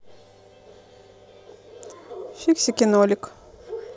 фиксики нолик